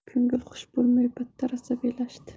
ko'ngli xush bo'lmay battar asabiylashdi